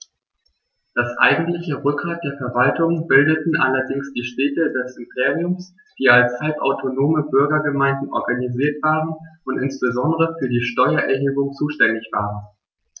Das eigentliche Rückgrat der Verwaltung bildeten allerdings die Städte des Imperiums, die als halbautonome Bürgergemeinden organisiert waren und insbesondere für die Steuererhebung zuständig waren.